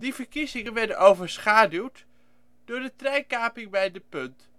verkiezingen werden overschaduwd door de treinkaping bij De Punt